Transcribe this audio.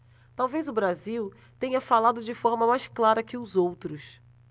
talvez o brasil tenha falado de forma mais clara que os outros